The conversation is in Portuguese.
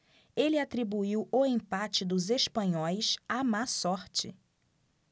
ele atribuiu o empate dos espanhóis à má sorte